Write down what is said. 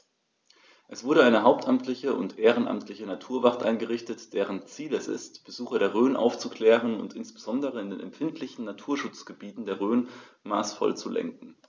Es wurde eine hauptamtliche und ehrenamtliche Naturwacht eingerichtet, deren Ziel es ist, Besucher der Rhön aufzuklären und insbesondere in den empfindlichen Naturschutzgebieten der Rhön maßvoll zu lenken.